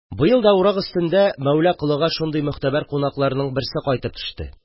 Быел да урак өстендә Мәүлә Колыга шундый могтәбәр кунакларның берсе кайтып төште.